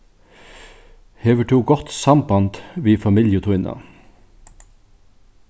hevur tú gott samband við familju tína